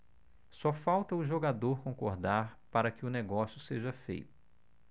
só falta o jogador concordar para que o negócio seja feito